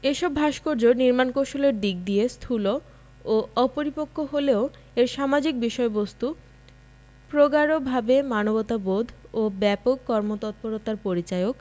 এ সব ভাস্কর্য নির্মাণ কৌশলের দিক দিয়ে স্থূল ও অপরিপক্ক হলেও এর সামাজিক বিষয়বস্ত্ত প্রগাঢ়ভাবে মানবতাবোধ ও ব্যাপক কর্মতৎপরতার পরিচায়ক